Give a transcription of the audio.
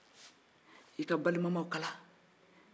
i ka balimamaw kala